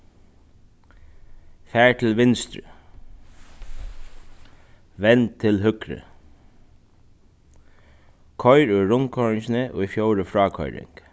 far til vinstru vend til høgru koyr úr rundkoyringini í fjórðu frákoyring